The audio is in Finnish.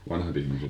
vanhat ihmiset